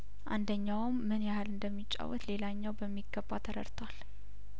አንደኛውም ምን ያህል እንደሚጫወት ሌላኛው በሚገባ ተረድቷል